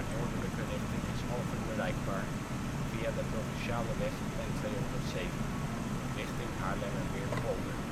noordelijke richting is Alphen bereikbaar via de provinciale weg N207 richting Haarlemmermeerpolder